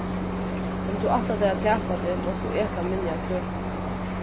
um tú ætlar at tapa teg mást tú eta minni av søtum